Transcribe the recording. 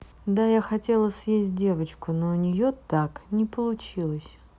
да я хотела съесть девочку но у нее так не получилось